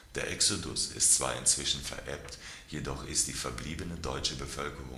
Der Exodus ist zwar inzwischen verebbt, jedoch ist die verbliebene deutsche Bevölkerung